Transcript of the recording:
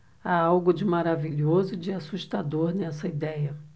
há algo de maravilhoso e de assustador nessa idéia